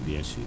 bien sûr